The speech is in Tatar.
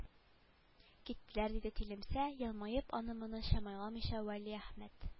Киттеләр диде тилемсә елмаеп аны-моны чамаламыйча вәлиәхмәт